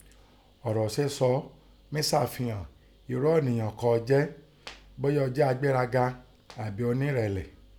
Ọ̀rọ̀ sẹ́́sọ mí sàfihàn inrú ọ̀nìyàn kọ́ ọ jẹ́, bọ́yá ọ jẹ́ agbéraga àbí ọnírẹ̀lẹ̀.